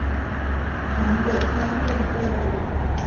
ฉันปวดท้องจนตัวบิด